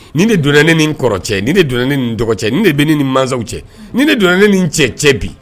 Ni ne donna ne ni kɔrɔ cɛ ni de donna ne ni nin dɔgɔ cɛ ni de bɛ ne ni mansaw cɛ ni ne donna ne ni cɛ cɛ bi